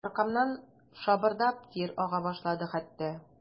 Аркамнан шабырдап тир ага башлады хәтта.